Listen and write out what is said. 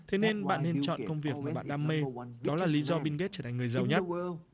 thế nên bạn lên chọn công việc mà bạn đam mê đó là lí do bin ghết chở thành người giàu nhất